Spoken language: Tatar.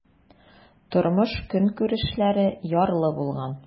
Тормыш-көнкүрешләре ярлы булган.